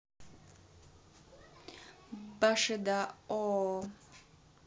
bushido оо